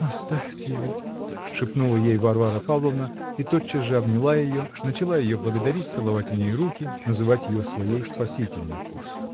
-- Оставьте его, -- шепнула ей Варвара Павловна и тотчас же обняла ее, начала ее благодарить, целовать у ней руки, называть ее своей спасительницей.